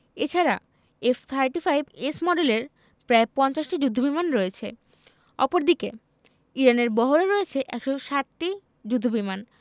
এ ছাড়া F thirty five S মডেলের প্রায় ৫০টি যুদ্ধবিমান রয়েছে অপরদিকে ইরানের বহরে রয়েছে ১৬০টি যুদ্ধবিমান